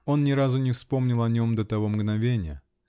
он ни разу не вспомнил о нем до того мгновения .